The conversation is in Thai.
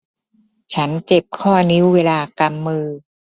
ฉันเจ็บข้อนิ้วเวลากำมือ